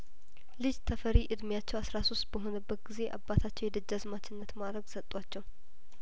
ልጅ ተፈሪ እድሜያቸው አስራ ሶስት በሆነ በት ጊዜ አባታቸው የደጃዝማችነት ማእረግ ሰጧቸው